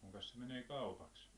kuinkas se menee kaupaksi